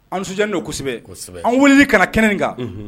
Anjan don kosɛbɛsɛbɛ an wuli kana kɛnɛ nin kan